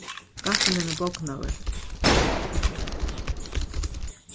gaffilin er bognaður